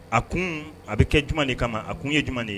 A kun a bɛ kɛ juma de kama a kun ye jumɛn de ye